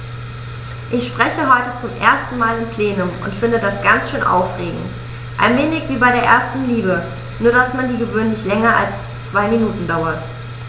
Ich spreche heute zum ersten Mal im Plenum und finde das ganz schön aufregend, ein wenig wie bei der ersten Liebe, nur dass die gewöhnlich länger als zwei Minuten dauert.